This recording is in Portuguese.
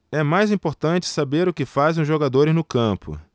é mais importante saber o que fazem os jogadores no campo